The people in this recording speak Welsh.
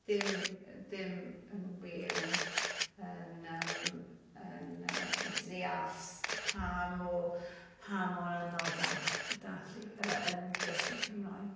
Ddim ddim yn wir yn yn yym yn yy deall s- pa mor pa mor anoddach yn dysgu Cymraeg.